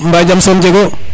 mba jam soom jego